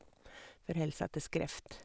Forholde seg til skrift.